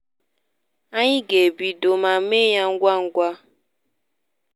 Anyị ga-ebido, ma mee ya ngwangwa.